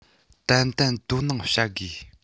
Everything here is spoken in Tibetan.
ཏན ཏན དོ སྣང བྱ དགོས